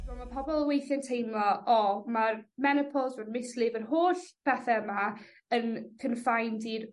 Fel ma' pobol weithie'n teimlo o ma'r menopos ma'r mislif yr holl pethe yma yn confined i'r